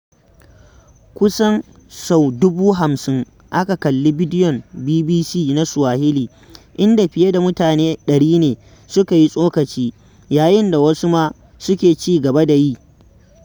Kusan sau 50,000 aka kalli bidiyon BBC na Suwahili, inda fiye da mutane 100 ne suka yi tsokaci, yayin da wasu ma suke ci gaba da yi.